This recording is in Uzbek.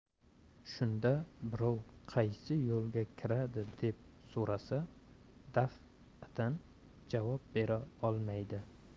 shunda birov qaysi yo'lga kiradi deb surasa daf'atan javob bera olmaydi